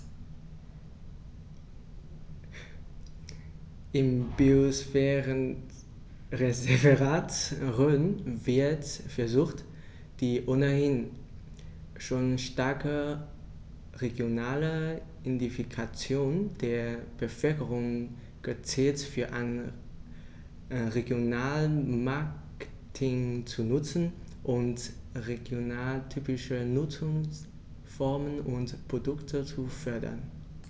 Im Biosphärenreservat Rhön wird versucht, die ohnehin schon starke regionale Identifikation der Bevölkerung gezielt für ein Regionalmarketing zu nutzen und regionaltypische Nutzungsformen und Produkte zu fördern.